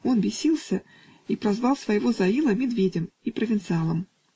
Он бесился и прозвал своего зоила медведем и провинциалом.